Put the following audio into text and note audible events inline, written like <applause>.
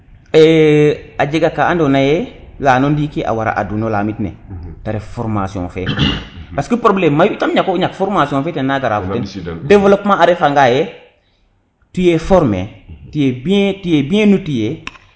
a jjega ka ando naye leyano ndiki a wara adu no lamit ne te ref formation fe parce que probleme mayu tam ñak foramtion fe tena gara <crosstalk> developpement a refa ngaye tu es formé tu es tu es bien outillé